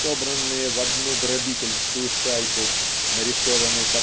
собранные в одну грабительскую шайку нарисованы